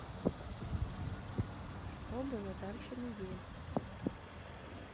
что было дальше мигель